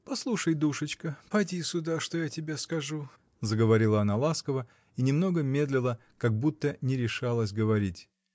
— Послушай, душечка, поди сюда, что я тебе скажу, — заговорила она ласково и немного медлила, как будто не решалась говорить.